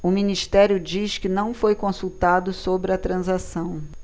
o ministério diz que não foi consultado sobre a transação